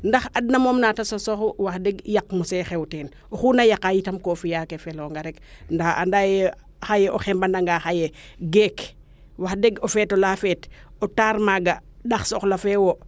ndax adna moom naate sosooxu wax deg yaq mosee xew teen oxu na yaqa yitam ko fiya ke feloonga rek nda anda ye xaye o xema nanga xaye geek wax deg o feetola feet o taar maaga ndax soxla feewo